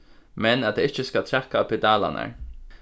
men at tað ikki skal traðka á pedalarnar